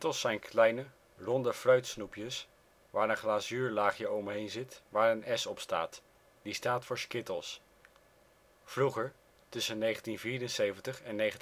zijn kleine, ronde fruitsnoepjes, waar een glazuurlaagje omheen zit en waar een " S " op staat, die staat voor Skittles. Vroeger, tussen 1974 en 1988